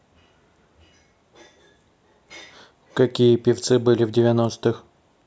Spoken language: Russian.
какие певцы были в девяностых